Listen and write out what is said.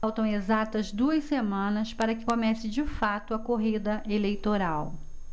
faltam exatas duas semanas para que comece de fato a corrida eleitoral